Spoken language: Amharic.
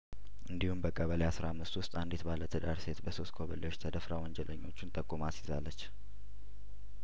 እንዲሁም በቀበሌ አስራ አምስት ውስጥ አንዲት ባለትዳር ሴት በሶስት ኮበሌዎች ተደፍራ ወንጀለኞቹን ጠቁማ አስይዛለች